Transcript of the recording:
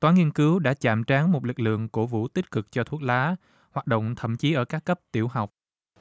toán nghiên cứu đã chạm trán một lực lượng của vũ tích cực cho thuốc lá hoạt động thậm chí ở các cấp tiểu học